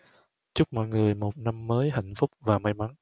chúc mọi người một năm mới hạnh phúc và may mắn